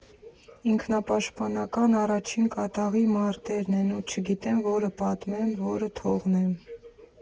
Ինքնապաշտպանական առաջին կատաղի մարտերն են, ու չգիտեմ՝ որը պատմեմ, որը թողնեմ։